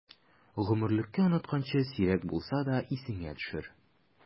Гомерлеккә онытканчы, сирәк булса да исеңә төшер!